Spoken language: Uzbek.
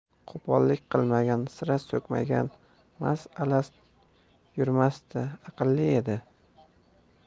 qo'pollik qilmagan sira so'kmagan mast alast yurmasdi aqlli edi